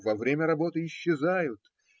во время работы исчезают